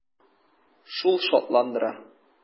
Шул шатландыра.